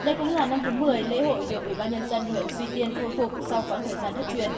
đây cũng là năm thứ mười lễ hội được ủy ban nhân dân huyện duy tiên khôi phục sau quãng thời gian thất truyền